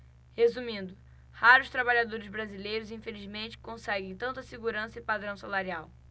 resumindo raros trabalhadores brasileiros infelizmente conseguem tanta segurança e padrão salarial